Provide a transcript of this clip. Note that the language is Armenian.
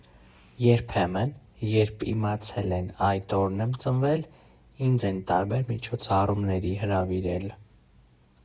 Երբեմն, երբ իմացել են՝ այդ օրն եմ ծնվել, ինձ են տարբեր միջոցառումների հրավիրել։